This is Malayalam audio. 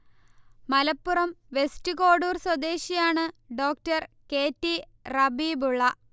മലപ്പുറം വെസ്റ്റ് കോഡൂർ സ്വദേശിയാണ് ഡോ. കെ. ടി. റബീബുള്ള